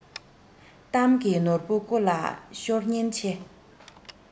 གཏམ གྱི ནོར བུ རྐུ ལ ཤོར ཉེན ཆེ